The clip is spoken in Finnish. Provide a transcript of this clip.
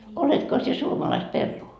oletko sinä suomalaista perua